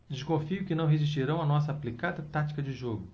desconfio que não resistirão à nossa aplicada tática de jogo